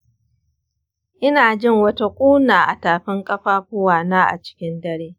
ina jin wata ƙuna a tafin ƙafafuwa na a cikin dare.